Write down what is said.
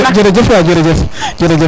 jerejef waay jerejef